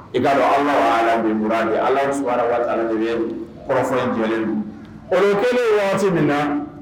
I b'a dɔn ala ala min bɔra kɛ ala su waati kɔrɔfɔ jɔlen o kelen waati min na